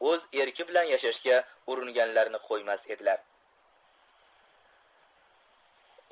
o'z erki bilan yashashga uringanlarni qo'ymas edilar